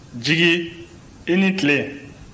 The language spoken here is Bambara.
jigi i ni tile